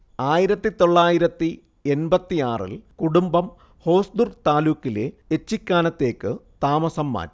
ആയിരത്തി തൊള്ളായിരത്തി എണ്പത്തിയാറിൽ കുടുംബം ഹോസ്ദുർഗ് താലൂക്കിലെ ഏച്ചിക്കാനത്തേക്ക് താമസം മാറ്റി